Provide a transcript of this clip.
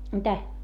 mitä